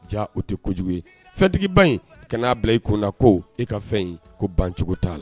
Jaa o tɛ jugu ye fɛntigiba in ka n'a bila i ko na ko e ka fɛn in ko banjugu t'a la